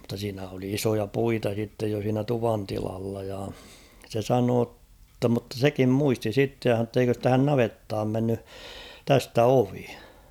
mutta siinä oli isoja puita sitten jo siinä tuvantilalla ja se sanoi jotta mutta sekin muisti sitten ja sanoi että eikös tähän navettaan mennyt tästä ovi